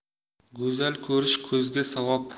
go'zal ko'rish ko'zga savob